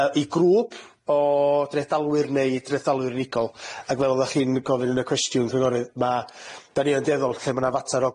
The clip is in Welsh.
law ar adeg- yn gynnar iawn yn y dydd sef archleuredd cyhoeddus a galw hefyd yym am yy